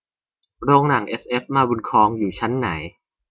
โรงหนังเอสเอฟมาบุญครองอยู่ชั้นไหน